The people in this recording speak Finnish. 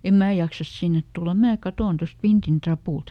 en minä jaksa sinne tulla minä katson tuosta vintin rapulta